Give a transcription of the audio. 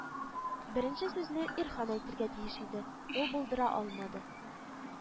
Беренче сүзне Ирхан әйтергә тиеш иде, ул булдыра алмады,